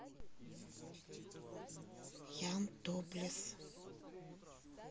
ян топлес